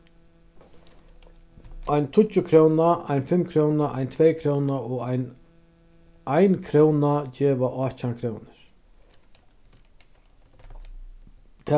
ein tíggjukróna ein fimmkróna ein tveykróna og ein einkróna geva átjan krónur